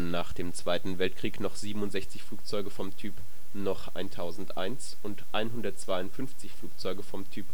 nach dem Zweiten Weltkrieg noch 67 Flugzeuge vom Typ Nord 1001 und 152 Flugzeuge vom Typ